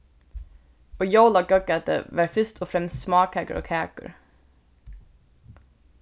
og jólagóðgætið var fyrst og fremst smákakur og kakur